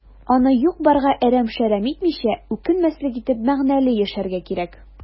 Аны юк-барга әрәм-шәрәм итмичә, үкенмәслек итеп, мәгънәле яшәргә кирәк.